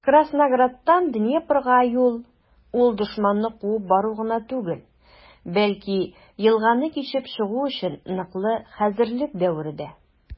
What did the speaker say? Краснограддан Днепрга юл - ул дошманны куып бару гына түгел, бәлки елганы кичеп чыгу өчен ныклы хәзерлек дәвере дә.